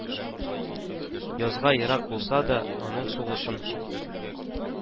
Язга ерак булса да, аның сулышын